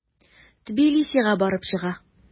Тбилисига барып чыга.